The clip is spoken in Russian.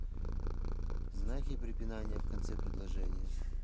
знаки препинания в конце предложения